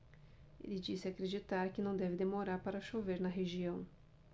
ele disse acreditar que não deve demorar para chover na região